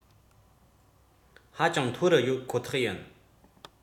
ཧ ཅང མཐོ རུ ཡོད ཁོ ཐག ཡིན